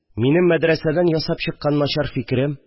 Минем мәдрәсәдән ясап чыккан начар фикерем